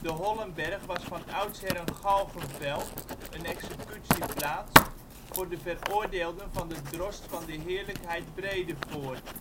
Hollenberg was van oudsher een galgenveld (executieplaats) voor de veroordeelden van de drost van de Heerlijkheid Bredevoort